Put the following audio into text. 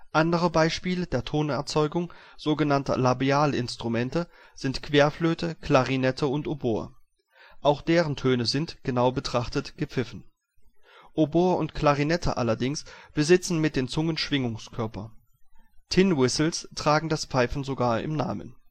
Andere Beispiele der Tonerzeugung sogenannter „ Labial-Instrumente “(mit „ Lippen “) sind Querflöte, Klarinette und Oboe: Auch deren Töne sind, genau betrachtet, gepfiffen. Oboe und Klarinette allerdings besitzen mit den Zungen Schwingungskörper. Tin Whistles tragen das Pfeifen sogar im Namen